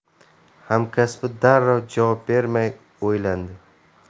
hamkasbi darrov javob bermay o'ylandi